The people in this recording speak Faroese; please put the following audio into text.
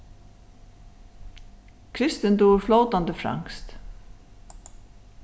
kristin dugir flótandi franskt